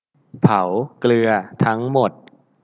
เผาเกลือทั้งหมด